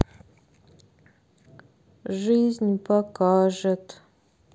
жизнь покажет